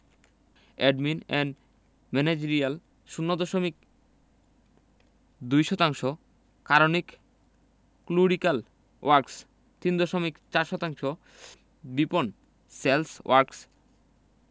admin and managerial ০ দশমিক ২ শতাংশ করণিক ক্ল্যারিক্যাল ওয়ার্ক্স ৩ দশমিক ৪ শতাংশ বিপণন সেলস ওয়ার্ক্স